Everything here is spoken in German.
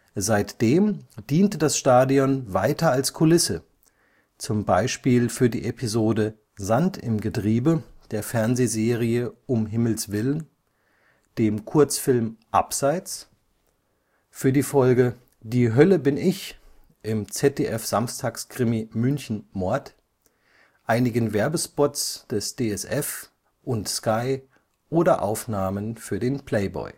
Seitdem diente das Stadion weiter als Kulisse, zum Beispiel für die Episode Sand im Getriebe der Fernsehserie Um Himmels Willen, dem Kurzfilm Abseits, für die Folge Die Hölle bin ich im ZDF-Samstagskrimi München_Mord, einigen Werbespots des DSF und sky oder Aufnahmen für den Playboy